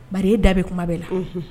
Ba da bɛ kuma bɛɛ la